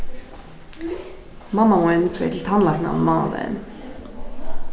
mamma mín fer til tannlæknan mánadagin